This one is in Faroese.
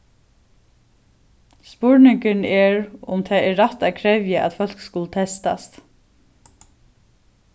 spurningurin er um tað er rætt at krevja at fólk skulu testast